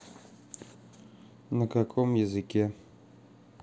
на каком языке